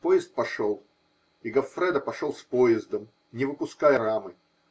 Поезд пошел, и Гоффредо пошел с поездом, не выпуская рамы.